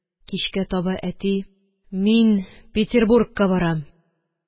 Кичкә таба әти: – мин петербургка барам